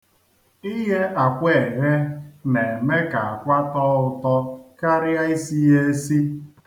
Ịghe akwa eghe na-eme ka akwa tọọ ụtọ karịa isi ya esi.